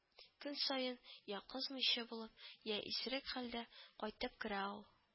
Көн саен я кызмыйча булып, я исерек хәлдә кайтып керә ул